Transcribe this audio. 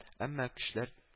Әмма көчләр